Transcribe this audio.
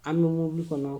An bɛ mobili kɔnɔ